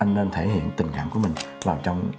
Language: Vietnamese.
anh nên thể hiện tình cảm của mình vào trong